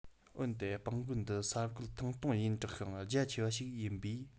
འོན ཏེ སྤང རྒོད འདི ས རྒོད ཐང སྟོང ཡིན དྲགས ཤིང རྒྱ ཆེ བ ཞིག ཡིན པས